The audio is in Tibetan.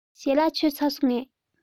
ཞལ ལག ཁ ལག མཆོད བཞེས ཚར སོང ངས